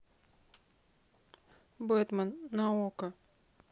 бэтмен на окко